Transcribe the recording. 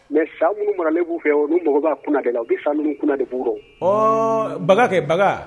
Mais sa minnu maralen b'u fɛ yen o n'i magɔ b'a kunna de la u bi sa ninnu kunna de b'u rɔ ɔɔɔ baga kɛ baga